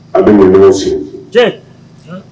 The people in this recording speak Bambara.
A bɛ ɲɔgɔn fɛ